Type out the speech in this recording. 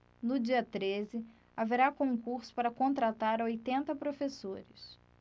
no dia treze haverá concurso para contratar oitenta professores